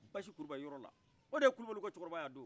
u nana basi kulubali yɔrɔla o de ye kulubaliw ka cɛkɔrɔbaye